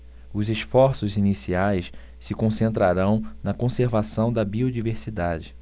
os esforços iniciais se concentrarão na conservação da biodiversidade